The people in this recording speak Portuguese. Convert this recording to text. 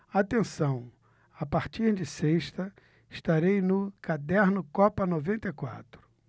atenção a partir de sexta estarei no caderno copa noventa e quatro